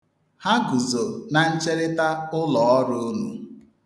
Ha guzo na ncherịta ihu ụlọọrụ unu.